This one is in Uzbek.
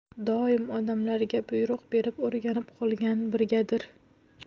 doim odamlarga buyruq berib o'rganib qolgan brigadir